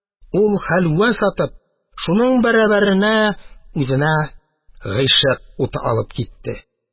Ул хәлвә сатып, шуның бәрабәренә үзенә гыйшык уты алып китте.